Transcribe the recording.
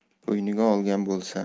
bo'yniga olgan bo'lsa